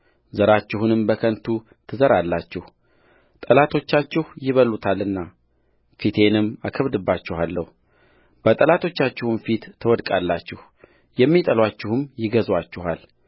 ዘራችሁንም በከንቱ ትዘራላችሁ ጠላቶቻችሁ ይበሉታልናፊቴንም አከብድባችኋለሁ በጠላቶቻችሁም ፊት ትወድቃላችሁ የሚጠሉአችሁም ይገዙአችኋል